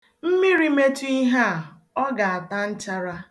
Mmiri metụ ihe a, ọ ga-ata nchara.